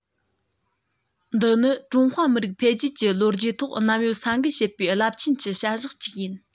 འདི ནི ཀྲུང ཧྭ མི རིགས འཕེལ རྒྱས ཀྱི ལོ རྒྱུས ཐོག གནམ གཡོ ས འགུལ བྱེད པའི རླབས ཆེན གྱི བྱ གཞག ཅིག ཡིན